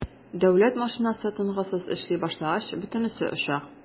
Дәүләт машинасы тынгысыз эшли башлагач - бөтенесе оча.